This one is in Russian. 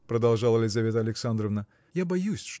– продолжала Лизавета Александровна – я боюсь